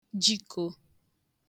jikō